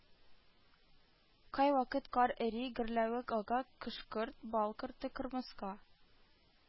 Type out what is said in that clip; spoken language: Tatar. Кайвакыт, кар эри, гөрлəвек ага, кош-корт, бал корты, кырмыска,